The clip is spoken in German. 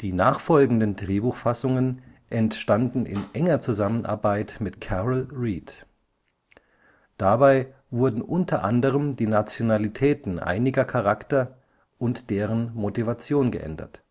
nachfolgenden Drehbuchfassungen entstanden in enger Zusammenarbeit mit Carol Reed. Dabei wurden unter anderem die Nationalitäten einiger Charaktere und deren Motivation geändert